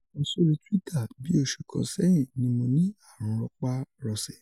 O kọ sori Twitter: “Bi oṣu kan sẹhin ni mo ni arun rọparọsẹ.